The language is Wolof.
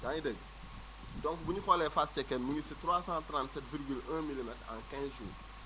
yaa ngi dégg donc bu ñu xoolee Fass Cekkeen mu ngi si 337 virgule 1 milimètre en 15 jours